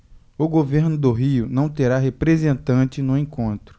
o governo do rio não terá representante no encontro